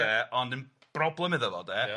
Ond 'n broblem iddo fo, 'de? Ia.